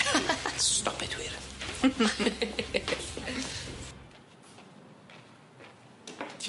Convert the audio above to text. Stop it wir.